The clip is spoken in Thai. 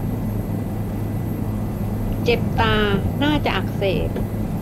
เจ็บตาน่าจะอักเสบ